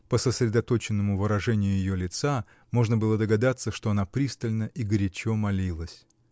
по сосредоточенному выражению ее лица можно было догадаться, что она пристально и горячо молилась.